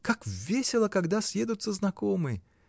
Как весело, когда съедутся знакомые!.